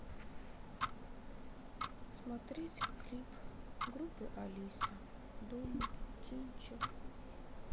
смотреть клип группы алиса думы кинчев